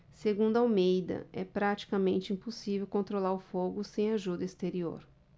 segundo almeida é praticamente impossível controlar o fogo sem ajuda exterior